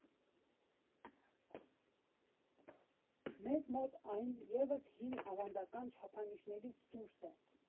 Մեզ մոտ այն ևս հին ավանդական չափանիշներից դուրս է։